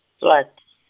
Swati.